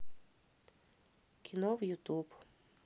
кино в ютуб